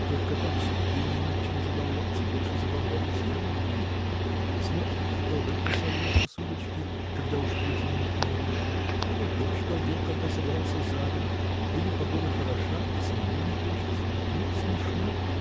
только там судьбе не над чем забавляться, больше забавляюсь я над нею смотришь то рыба сорвется с удочки когда уж протянул к ней руку то дождь пойдет когда собрался за город или погода хороша да самому не хочется. ну и смешно.